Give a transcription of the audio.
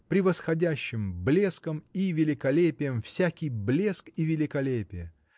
превосходящем блеском и великолепием всякий блеск и великолепие.